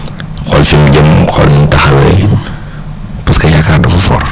xool fi mu jëm mu xool num taxawee parce que yaakaar dafa fort